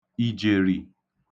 ìjèrì